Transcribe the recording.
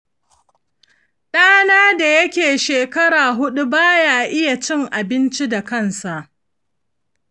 dana da yake shekara hudu baya iya cin abinci da kansa.